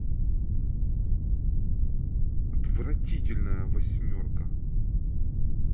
отвратительная восьмерка